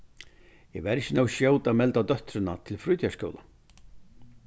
eg var ikki nóg skjót at melda dóttrina til frítíðarskúla